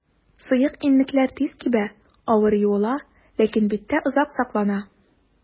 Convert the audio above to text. Сыек иннекләр тиз кибә, авыр юыла, ләкин биттә озак саклана.